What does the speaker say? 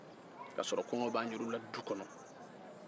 kasɔrɔ kɔngɔ b'an yɛrɛw la du kɔnɔ